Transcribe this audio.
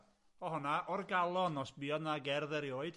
o' honna, o'r galon, os buodd 'na gerdd erioed.